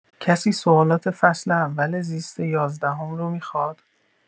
کسی سوالات فصل اول زیست یازدهم رو میخواد؟